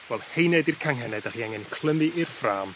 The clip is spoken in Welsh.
wel heine di'r canghenne 'dach chi angen clymu i'r ffrâm